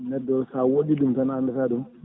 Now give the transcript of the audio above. neɗɗo sa woɗɗi ɗum tan a andata ɗum